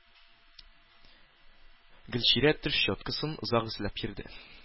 Гөлчирә теш щеткасын озак эзләп йөрде.